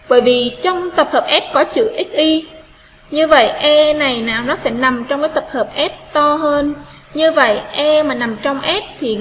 baby trong tập hợp s có chữ x y như vậy ê này làm rất phải nằm trong các tập hợp s to hơn như vậy em mà nằm trong ép thì